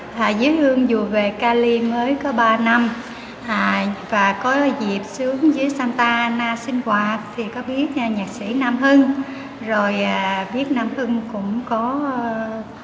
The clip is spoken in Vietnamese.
hà với hương dù về ca li mới có ba năm hà và có dịp xuống dưới san ta na sinh hoạt thì có biết nhạc sĩ nam hưng rồi ờ biết nam hưng cũng có